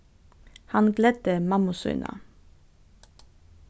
hann gleddi mammu sína